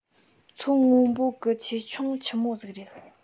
མཚོ སྔོན པོ གི ཆེ ཆུང ཆི མོ ཟིག ཡོད